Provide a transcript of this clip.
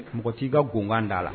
Mɔgɔ k'i ka gkan d'a la